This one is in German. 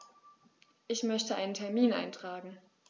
Ich möchte einen Termin eintragen.